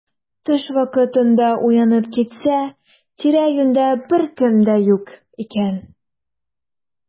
Төш вакытында уянып китсә, тирә-юньдә беркем дә юк икән.